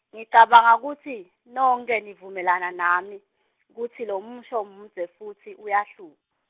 ngicabanga kutsi, nonkhe nivumelana nami, kutsi lomusho mudze futsi uyahlupha.